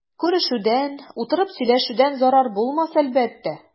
Күрешүдән, утырып сөйләшүдән зарар булмас әлбәттә.